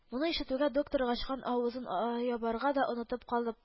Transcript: Моны ишетүгә доктор ачкан авызын а ябарга да онытып калып